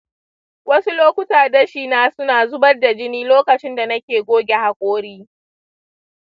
wasu lokuta dashi na suna zubar da jini lokacin da nake goge haƙori.